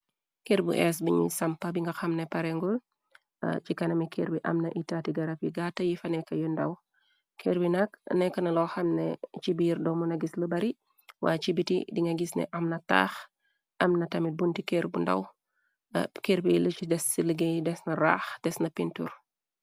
Kër bu ees biñuy sampa bi nga xamne parengul , ci kana mi kër bi amna itati garab yi gaata yi faneka yu ndaw. Kër bi nak nekka na loo xamne ci biir doomu na gis lu bari waa ci biti di nga gis ne am na taax, amna tamit bunti kër bu ndaw, kër bi li ci des ci liggéey des na raax des na pintur.